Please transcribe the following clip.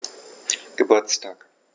Geburtstag